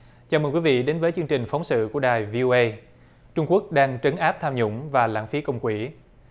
chào mừng quý vị đến với chương trình phóng sự của đài vi âu ây trung quốc đang trấn áp tham nhũng và lãng phí công quỹ